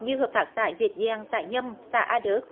như hợp tác xã dịch giang xã nhâm xã a đớt